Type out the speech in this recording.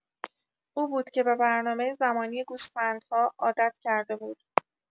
او بود که به برنامه زمانی گوسفندها عادت کرده بود.